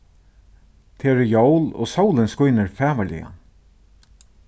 tað eru jól og sólin skínur fagurliga